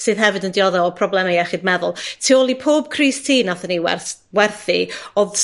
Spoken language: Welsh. sydd hefyd yn diodde o probleme iechyd meddwl. Tu ôl i pob crys tî nathon ni werth werthu o'dd